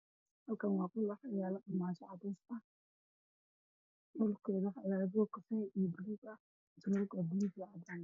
Halkan waa qol waxaa yaalla armaajo midabkeedu yahay caddaan oo muraayad leh